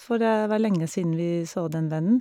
For det var lenge siden vi så den vennen.